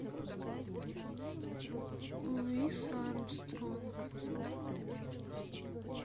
луис армстронг